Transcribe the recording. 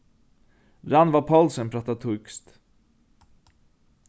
rannvá poulsen prátar týskt